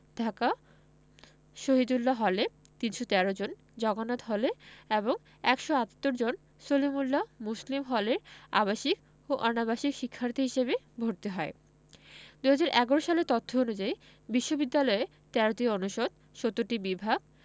ঢাকা শহীদুল্লাহ হলে ৩১৩ জন জগন্নাথ হলে এবং ১৭৮ জন সলিমুল্লাহ মুসলিম হলের আবাসিক ও অনাবাসিক শিক্ষার্থী হিসেবে ভর্তি হয় ২০১১ সালের তথ্য অনুযায়ী বিশ্ববিদ্যালয়ে ১৩টি অনুষদ ৭০টি বিভাগ